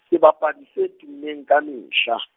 sebapadi se tummeng ka mehla.